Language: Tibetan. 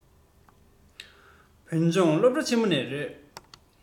བོད ལྗོངས སློབ གྲྭ ཆེན མོ ནས རེད